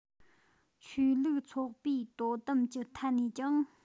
ཆོས ལུགས ཚོགས པའི དོ དམ གྱི ཐད ནས ཀྱང